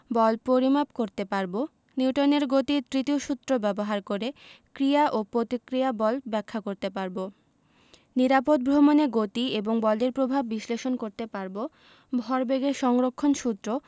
বল পরিমাপ করতে পারব নিউটনের গতির তৃতীয় সূত্র ব্যবহার করে ক্রিয়া ও প্রতিক্রিয়া বল ব্যাখ্যা করতে পারব নিরাপদ ভ্রমণে গতি এবং বলের প্রভাব বিশ্লেষণ করতে পারব ভরবেগের সংরক্ষণ সূত্র